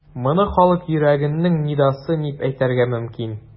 Моны халык йөрәгенең нидасы дип әйтергә мөмкин.